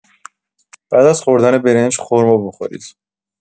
بعد از خوردن برنج خرما بخورید!